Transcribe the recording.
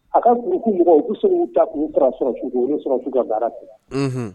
A ka kunmɔgɔ u se ta u taara sɔrɔ u sɔrɔ futa ka garan ten